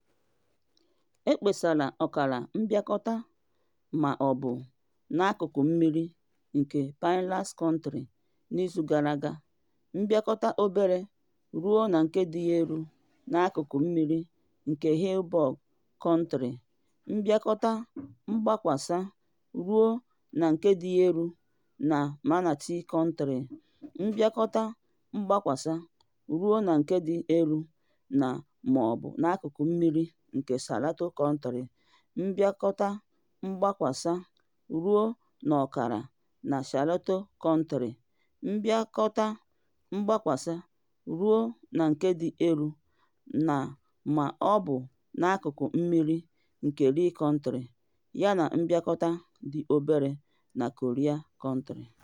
Ekpesara ọkara mbịakọta na ma ọ bụ n’akụkụ mmiri nke Pinellas Country n’izu gara aga, mbịakọta obere ruo na nke dị elu n’akụkụ mmiri nke Hillsborough County, mbịakọta mgbakwasa ruo na nke dị elu na Manatee County, mbịakọta mgbakwasa ruo na nke dị elu na ma ọ bụ n’akụkụ mmiri nke Sarasota County, mbịakọta mgbakwasa ruo na ọkara na Charlotte County, mbịakọta mgbakwasa ruo na nke dị elu na ma ọ bụ n’akụkụ mmiri nke Lee County, yana mbịakọta dị obere na Collier County.